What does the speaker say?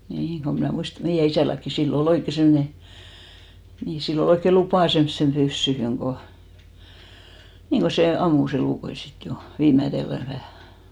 niin kun minä muistan meidän isälläkin sillä oli oikein semmoinen niin sillä oli oikein lupa semmoiseen pyssyyn kun niin kun se ampui elukoita sitten jo viimeisellä vähän